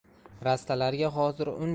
rastalarga hozir un